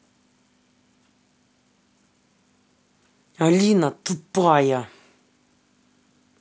алина тупая